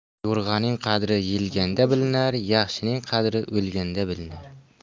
yo'rg'aning qadri yelganda bilinar yaxshining qadri o'lganda bilinar